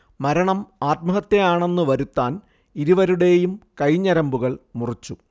മരണം ആത്മഹത്യയാണെന്ന് വരുത്താൻ ഇരുവരുടെയും കൈഞരമ്പുകൾ മുറിച്ചു